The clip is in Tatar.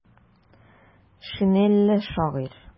Шинельле шагыйрь.